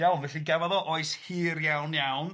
Iawn, felly gafodd o oes hir iawn iawn.